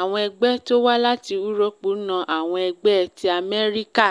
Àwọn ẹgbẹ́ tí wọ́n wá láti Úróópù ná àwọn ẹgbẹ́ tí Amẹ́ríkà